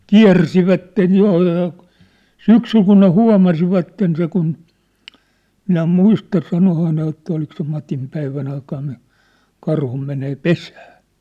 kiersivät joella syksyllä kun ne huomasivat sen kun minä muista sanoihan ne jotta oliko se Matin päivän aikana niin karhu menee pesään